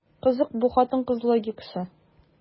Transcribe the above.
Кызык бу хатын-кыз логикасы.